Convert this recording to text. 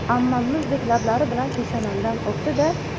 ammam muzdek lablari bilan peshonamdan o'pdi da